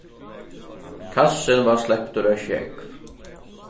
kassin varð sleptur á sjógv